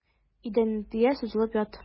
Идәнгә сузылып ят.